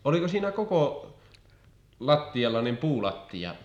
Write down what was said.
oliko siinä koko lattialla niin puulattia